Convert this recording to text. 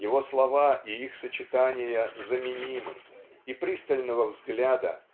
Его слова и их сочетания заменимы и пристального взгляда